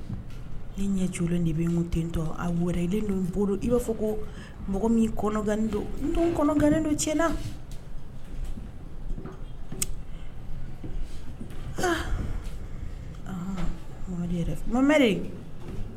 Ni ɲɛ cogo de bɛ n tɛ a wɛrɛ bolo i b'a fɔ ko mɔgɔ ni don tiɲɛna yɛrɛ